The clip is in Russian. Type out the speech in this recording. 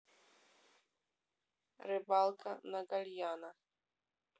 рыбалка на гальяно